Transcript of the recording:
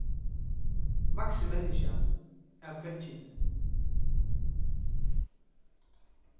vaksið menniskja av kvennkyni